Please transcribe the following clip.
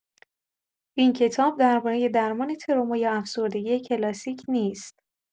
این کتاب درباره درمان تروما یا افسردگی کلاسیک نیست.